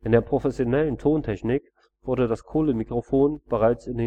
der professionellen Tontechnik wurde das Kohlemikrofon bereits in